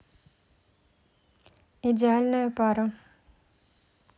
идеальная пара